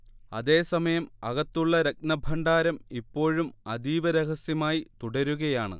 അതേസമയം, അകത്തുള്ള രത്നഭണ്ഡാരം ഇപ്പോഴും അതീവ രഹസ്യമായി തുടരുകയാണ്